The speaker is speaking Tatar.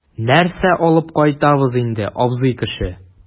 Нәрсә алып кайтабыз инде, абзый кеше?